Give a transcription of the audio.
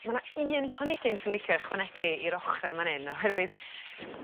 Ma' 'na un planigyn swn licio ychwanegu i'r ochre man 'yn oherwydd